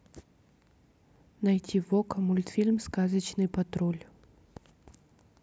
найти в окко мультфильм сказочный патруль